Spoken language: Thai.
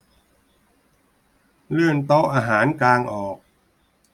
เลื่อนโต๊ะอาหารกางออก